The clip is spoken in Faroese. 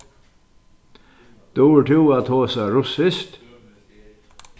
dugir tú at tosa russiskt